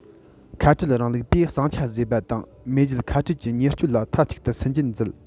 ཁ བྲལ རིང ལུགས པས ཟིང ཆ བཟོས པ དང མེས རྒྱལ ཁ བྲལ གྱི ཉེས སྤྱོད ལ མཐའ གཅིག ཏུ སུན འབྱིན མཛད